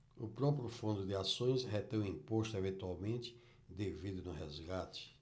o próprio fundo de ações retém o imposto eventualmente devido no resgate